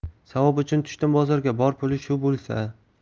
savob uchun tushdim bozorga bor puli shu bo'lsa